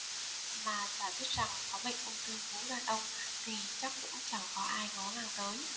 mà giả thiết rằng có bệnh ung thư vú đàn ông thì chắc cũng chẳng có ai ngó ngàng tới